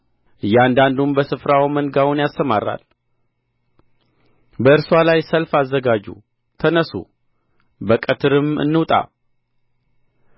እያንዳንዱም በስፍራው መንጋውን ያሰማራል በእርስዋ ላይ ሰልፍ አዘጋጁ ተነሡ በቀትርም እንውጣ